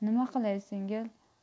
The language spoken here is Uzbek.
nima qilay singil